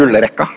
gullrekka.